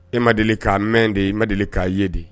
E ma deli ka mɛn de ye ma deli k kaa ye de